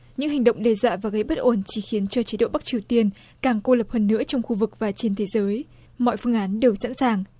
những hành động đe dọa và gây bất ổn chỉ khiến cho chế độ bắc triều tiên càng cô lập hơn nữa trong khu vực và trên thế giới mọi phương án đều sẵn sàng